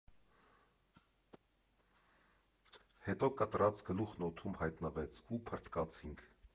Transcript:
Հետո կտրած գլուխն օդում հայտնվեց, ու փռթկացինք։